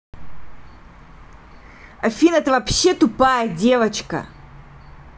афина ты вообще тупая девочка